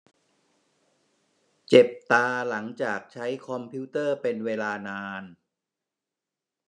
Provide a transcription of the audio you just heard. เจ็บตาหลังจากใช้คอมพิวเตอร์เป็นเวลานาน